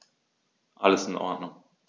Alles in Ordnung.